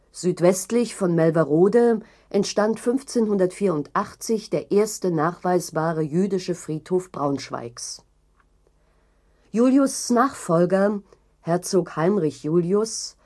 Südwestlich von Melverode entstand 1584 der erste nachweisbare jüdische Friedhof Braunschweigs. Julius’ Nachfolger Herzog Heinrich Julius